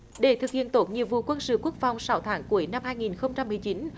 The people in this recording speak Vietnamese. để thực hiện tốt nhiệm vụ quân sự quốc phòng sáu tháng cuối năm hai nghìn không trăm mười chín